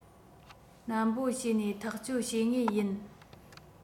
ནན པོས བྱས ནས ཐག གཅོད བྱེད ངོས ཡིན